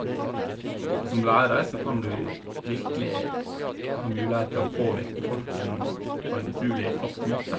Og som lærer så kan du virkelig ha mulighet til å påvirke folk i en på en utrulig flott måte.